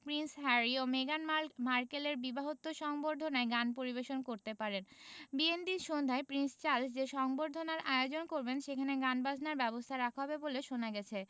Prince Harry ও মেগান মাল মার্কেলের বিবাহোত্তর সংবর্ধনায় গান পরিবেশন করতে পারেন বিয়ের দিন সন্ধ্যায় প্রিন্স চার্লস যে সংবর্ধনার আয়োজন করবেন সেখানে গানবাজনার ব্যবস্থা রাখা হবে বলে শোনা গেছে